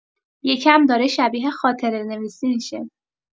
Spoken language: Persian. یه کم داره شبیه خاطره‌نویسی می‌شه!